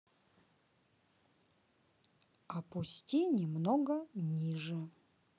опусти немного ниже